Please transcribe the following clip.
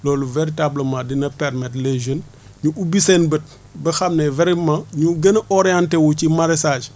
loolu véritablement dina permettre les jeunes ñu ubbi seen bët ba xàmmee vraiment ñu gën a orienté wu ci maraîchage